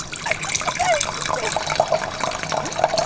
Yy just a very quick question...